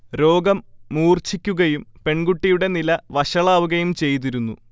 രോഗം മൂർഛിക്കുകയും പെൺകുട്ടിയുടെ നില വഷളാവുകയും ചെയ്തിരുന്നു